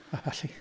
A ballu.